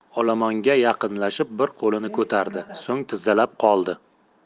olomonga yaqinlashib bir qo'lini ko'tardi so'ng tizzalab qoldi